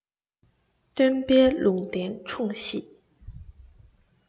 སྟོན པའི ལུང བསྟན འཁྲུངས གཞིས